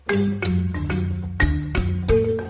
Wa yo